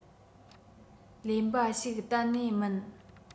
གླེན པ ཞིག གཏན ནས མིན